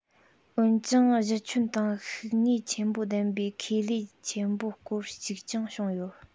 འོན ཀྱང གཞི ཁྱོན དང ཤུགས དངོས ཆེན པོ ལྡན པའི ཁེ ལས ཆེན པོ སྐོར ཞིག ཀྱང བྱུང ཡོད